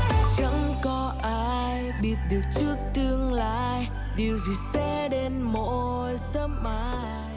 chẳng có ai biết được trước tương lai điều gì sẽ đến mỗi sớm mai